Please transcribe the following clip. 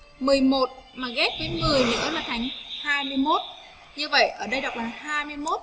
mà ghét những người nữa mạng như vậy ở đây